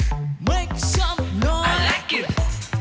mếch săm noi ài lai kịt